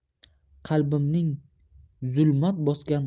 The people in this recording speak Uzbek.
qalbimning zulmat bosgan